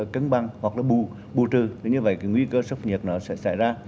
cân bằng hoặc bù bù trừ như vậy thì nguy cơ sốc nhiệt nó sẽ xảy ra